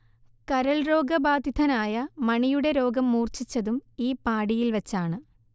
കരൾ രോഗബാധിതനായ മണിയുടെ രോഗം മൂർച്ഛിച്ചതും ഈ പാഡിയിൽ വച്ചാണ്